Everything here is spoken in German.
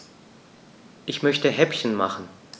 Ich möchte Häppchen machen.